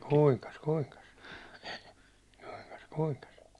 kuinkas kuinkas kuinkas kuinkas